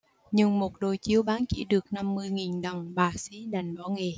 nhưng một đôi chiếu bán chỉ được năm mươi nghìn đồng bà xí đành bỏ nghề